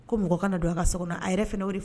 Ko mɔgɔ kana don a ka so kɔnɔ a yɛrɛ fana y'o de